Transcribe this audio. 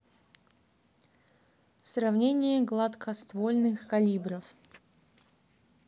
сравнение гладкоствольных калибров